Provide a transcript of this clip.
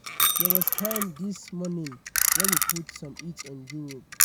There was time this morning when we put some heat on Europe.